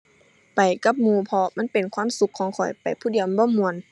ไปกับหมู่เพราะมันเป็นความสุขของข้อย ไปผู้เดียวมันบ่ม่วน